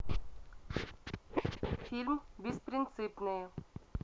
фильм беспринципные